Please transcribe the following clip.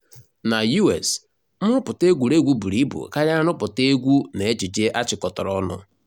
Na US, nrụpụta egwuregwu buru ibu karịa nrụpụta egwu na ejije achịkọtara ọnụ.